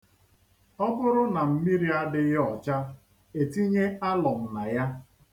Ọ bụru na mmiri adịghị ọcha, e tinye alọm na ya.